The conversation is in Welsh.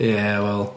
Ia, wel.